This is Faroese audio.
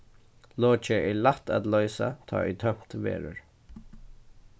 lokið er lætt at loysa tá ið tømt verður